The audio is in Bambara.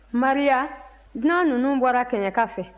maria dunan ninnu bɔra kɛɲɛka fɛ